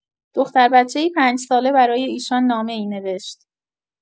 دختربچه‌ای ۵ ساله برای ایشان نامه‌ای نوشت.